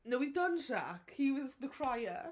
No, we've done Shaq, he was the crier.